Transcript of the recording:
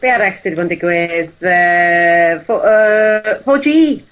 Be' arall sy 'di bod yn digwydd. Yy four yy four gee.